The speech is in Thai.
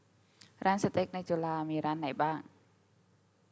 ร้านสเต็กในจุฬามีร้านไหนบ้าง